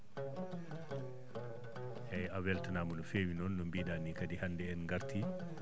eeyi a weltanaama no feewi noon no mbiiɗa ni kadi hannde en ngartii